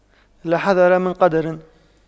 لا حذر من قدر